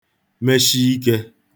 meshi ikē